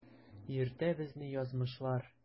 Йөртә безне язмышлар.